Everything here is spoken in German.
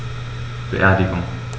Beerdigung